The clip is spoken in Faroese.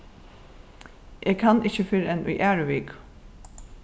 eg kann ikki fyrr enn í aðru viku